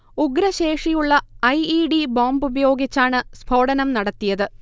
ഉഗ്രശേഷിയുള്ള I. E. D. ബോംബുപയോഗിച്ചാണ് സ്ഫോടനം നടത്തിയത്